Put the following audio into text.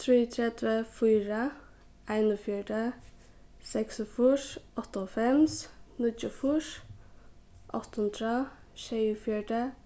trýogtretivu fýra einogfjøruti seksogfýrs áttaoghálvfems níggjuogfýrs átta hundrað sjeyogfjøruti